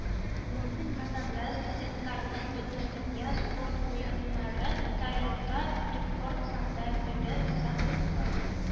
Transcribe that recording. Казанда студентларның Бөтендөнья спорт Уеннары тарихында рекорд санда билет сатылган.